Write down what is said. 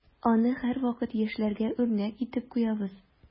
Аны һәрвакыт яшьләргә үрнәк итеп куябыз.